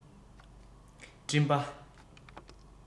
སྤྲིན པ